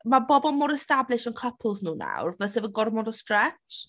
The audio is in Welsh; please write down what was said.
Ma' bobl mor established yn couples nhw nawr fel fyse fo'n gormod o stretch.